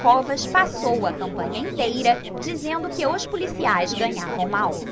covas passou a campanha inteira dizendo que os policiais ganhavam mal